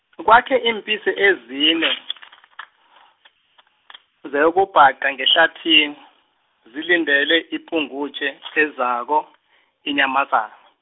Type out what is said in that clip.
kwakhe iimpisi ezine, zayokubhaqa ngehlathini, zilindele ipungutjha, ezako, inyamaza-.